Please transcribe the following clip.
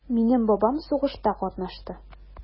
Минем бабам сугышта катнашты.